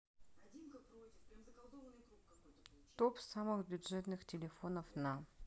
топ самых бюджетных телефонов на